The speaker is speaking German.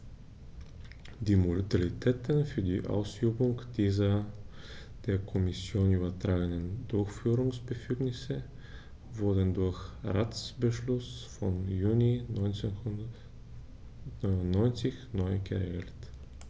Die Modalitäten für die Ausübung dieser der Kommission übertragenen Durchführungsbefugnisse wurden durch Ratsbeschluss vom Juni 1999 neu geregelt.